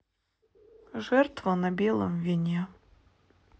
жертва на белом вине